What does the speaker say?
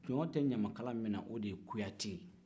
jɔn tɛ ɲamakala min na o de ye kuyatɛ ye